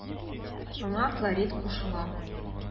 Аңа Флорид кушыла.